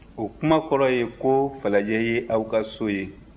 o kuma kɔrɔ ye ko falajɛ ye aw ka so ye